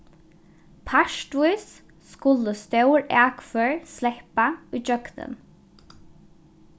partvíst skulu stór akfør sleppa ígjøgnum